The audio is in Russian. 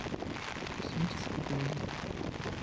космический боевик